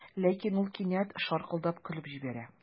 Ләкин ул кинәт шаркылдап көлеп җибәрә.